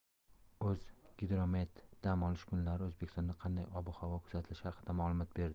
o'zgidromet dam olish kunlari o'zbekistonda qanday ob havo kuzatilishi haqida ma'lumot berdi